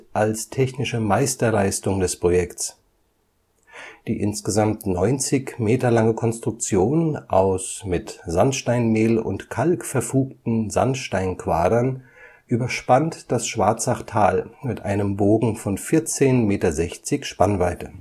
als technische Meisterleistung des Projekts. Die insgesamt 90 Meter lange Konstruktion aus mit Sandsteinmehl und Kalk verfugten Sandstein-Quadern überspannt das Schwarzachtal mit einem Bogen von 14,60 Metern Spannweite